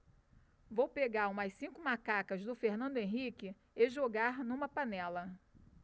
vou pegar umas cinco macacas do fernando henrique e jogar numa panela